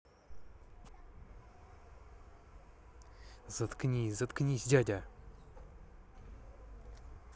заткнись заткнись дядя